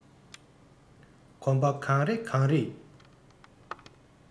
གོམ པ གང རེ གང རེས